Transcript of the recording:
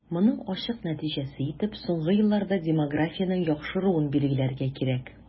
Моның ачык нәтиҗәсе итеп соңгы елларда демографиянең яхшыруын билгеләргә кирәк.